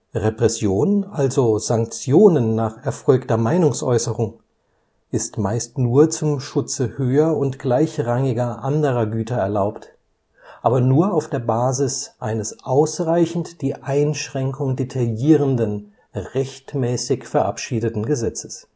Repression, also Sanktionen nach erfolgter Meinungsäußerung, ist meist nur zum Schutze höher - und gleichrangiger anderer Güter erlaubt, aber nur auf der Basis eines ausreichend die Einschränkung detaillierenden rechtmäßig verabschiedeten Gesetzes